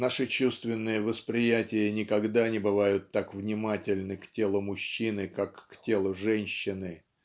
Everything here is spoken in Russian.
наши чувственные восприятия никогда не бывают так внимательны к телу мужчины как к телу женщины.